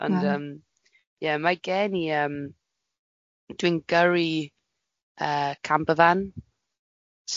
Na, ond yym ie, mae gen i yym dwi'n gyrru yy campervan.